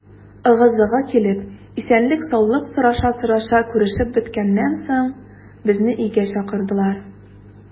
Ыгы-зыгы килеп, исәнлек-саулык сораша-сораша күрешеп беткәннән соң, безне өйгә чакырдылар.